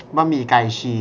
บะหมี่ไก่ฉีก